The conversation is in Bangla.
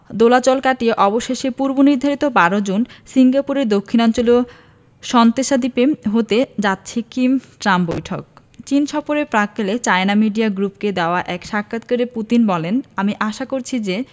দোলাচল কাটিয়ে অবশেষে পূর্বনির্ধারিত ১২ জুন সিঙ্গাপুরের দক্ষিণাঞ্চলীয় সান্তোসা দ্বীপে হতে যাচ্ছে কিম ট্রাম্প বৈঠক চীন সফরের প্রাক্কালে চায়না মিডিয়া গ্রুপকে দেওয়া এক সাক্ষাৎকারে পুতিন বলেন আমি আশা করছি যে